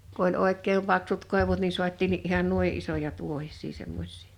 kun oli oikein paksut koivut niin saatiinkin ihan noin isoja tuohisia semmoisia